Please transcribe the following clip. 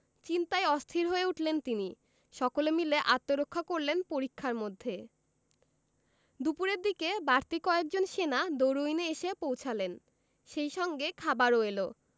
চিন্তায় অস্থির হয়ে উঠলেন তিনি সকলে মিলে আত্মরক্ষা করলেন পরিখার মধ্যে দুপুরের দিকে বাড়তি কয়েকজন সেনা দরুইনে এসে পৌঁছালেন সেই সঙ্গে খাবারও এলো